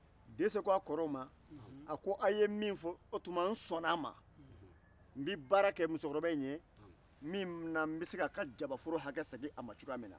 dɛsɛ ko a korow ma a ko a ye min fɔ o tuma n sɔnna n bɛ baarakɛ musokɔrɔba in ye min na n bɛ se k'a ka jabaforo hakɛ segin a ma cogoya min na